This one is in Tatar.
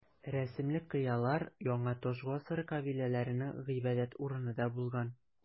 Рәсемле кыялар яңа таш гасыры кабиләләренең гыйбадәт урыны да булган.